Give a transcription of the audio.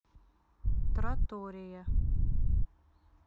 тратория